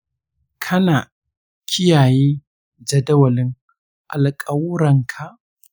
kana kiyaye jadawalin alƙawurranka?